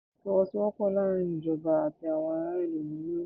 Ìfọwọ́sowọ́pọ̀ láàárín àwọn ìjọba àti àwọn ará-ìlú ni yóò gbà.